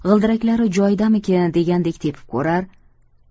g'ildiraklari joyidamikin degandek tepib ko'rar